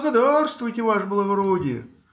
Благодарствуйте, ваше благородие.